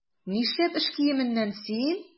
Нишләп эш киеменнән син?